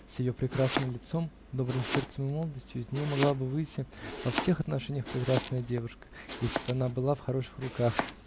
С ее прекрасным лицом, добрым сердцем и молодостью из нее могла бы выйти во всех отношениях прекрасная девушка, если б она была в хороших руках